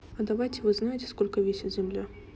а давайте вы знаете сколько весит земля